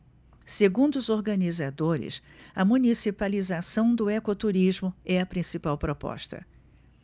segundo os organizadores a municipalização do ecoturismo é a principal proposta